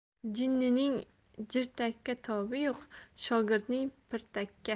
jinnining jirtakka tobi yo'q shogirdning pirtakka